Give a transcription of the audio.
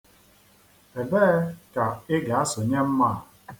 Ebe e ka ị ga-asụnye mma a?